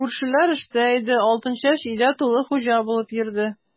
Күршеләр эштә иде, Алтынчәч өйдә тулы хуҗа булып йөрде.